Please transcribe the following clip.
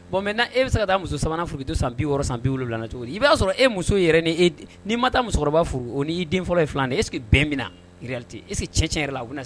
Bon mɛ e bɛ se ka taa muso sabanan furutu san bi yɔrɔ san bi la cogo i b'a sɔrɔ e muso yɛrɛ nii ma taa musokɔrɔba furu o ni'i den fɔlɔ ye fila eseke bɛn min na e cɛ tiɲɛ yɛrɛ la